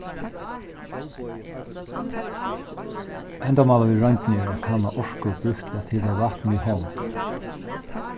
endamálið við royndini er at kanna orku brúkt til at hita vatn við hond